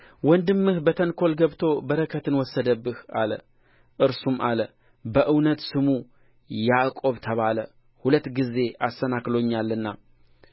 ወንድምህ በተንኮል ገብቶ በረከትህን ወሰደብህ አለ እርሱም አለ በእውነት ስሙ ያዕቆብ ተባለ ሁለት ጊዜ አሰናክሎኛልና